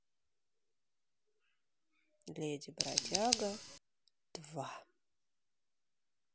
леди бродяга два